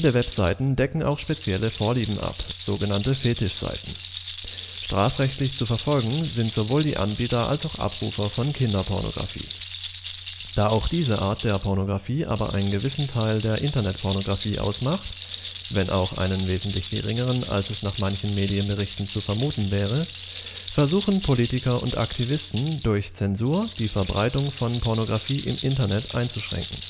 Webseiten decken auch spezielle sexuelle Vorlieben ab („ Fetisch-Seiten “). Strafrechtlich zu verfolgen sind sowohl die Anbieter als auch Abrufer von Kinderpornografie. Da auch diese Art der Pornografie aber einen gewissen Teil der Internet-Pornografie ausmacht – wenn auch einen wesentlich geringeren, als nach manchen Medienberichten zu vermuten wäre –, versuchen Politiker und Aktivisten durch Zensur die Verbreitung von Pornografie im Internet einzuschränken